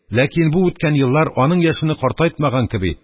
Ләкин бу үткән еллар, аның яшене картайтмаган кеби,